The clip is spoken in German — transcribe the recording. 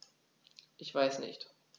Ich weiß nicht.